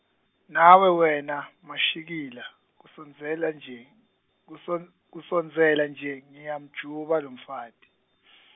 nawe wena, Mashikila, kusondzela nje, kuson- kusondzela nje, ngiyamjuba lomfati .